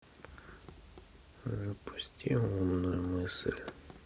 запусти умную мысль